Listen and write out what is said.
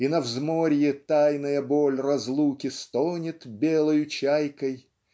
и на взморье тайная боль разлуки стонет белою чайкой